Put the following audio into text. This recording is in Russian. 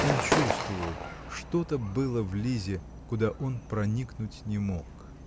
Он чувствовал: что-то было в Лизе, куда он проникнуть не мог.